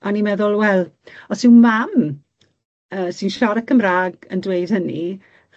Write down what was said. A o'n i'n meddwl wel os yw mam yy sy'n siarad Cymra'g yn dweud hynny